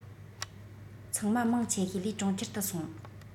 ཚང མ མང ཆེ ཤས ལས གྲོང ཁྱེར དུ སོང